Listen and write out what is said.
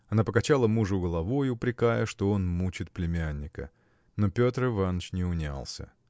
Она покачала мужу головой, упрекая, что он мучит племянника. Но Петр Иваныч не унялся.